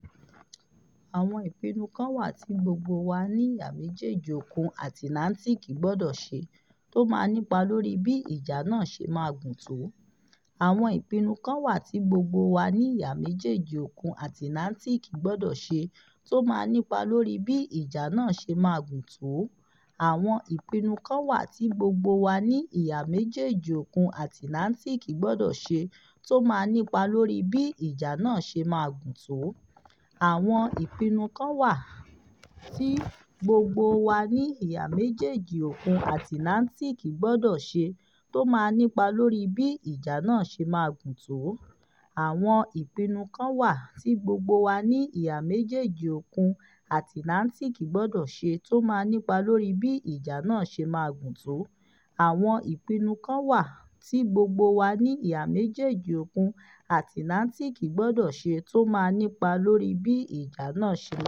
Àwọn ìpinnu kan wà tí gbogbo wa ní ìhà méjèèjì Òkun Àtìláńtíìkì gbọ́dọ̀ ṣe tó máa nípa lórí bí ìjà náà ṣe máa gùn tó.